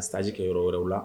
A taaji kɛ yɔrɔ wɛrɛw la